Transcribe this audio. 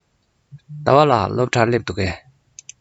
ཟླ བ ལགས སློབ གྲྭར སླེབས འདུག གས